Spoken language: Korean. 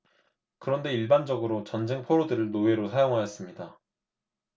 그런데 일반적으로 전쟁 포로들을 노예로 사용하였습니다